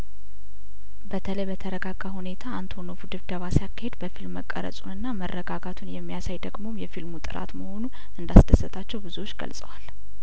በተለይ በተረጋጋ ሁኔታ አንቶኖቩ ድብደባ ሲያካሂድ በፊልም መቀረጹንና መረጋጋቱን የሚያሳየው ደግሞ የፊልሙ ጥራት መሆኑንን እንዳስ ደሰታቸው ብዙዎቹ ገልጸዋል